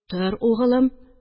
Тор, угылым